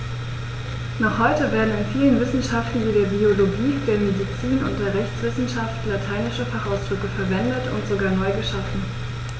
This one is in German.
Noch heute werden in vielen Wissenschaften wie der Biologie, der Medizin und der Rechtswissenschaft lateinische Fachausdrücke verwendet und sogar neu geschaffen.